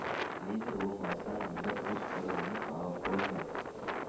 Лидер булмасаң, монда үз урыныңны табып булмый.